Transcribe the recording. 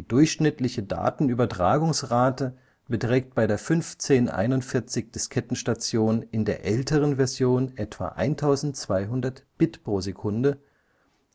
durchschnittliche Datenübertragungsrate beträgt bei der 1541-Diskettenstation in der älteren Version etwa 1200 Bit/s,